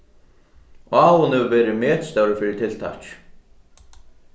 áhugin hevur verið metstórur fyri tiltakið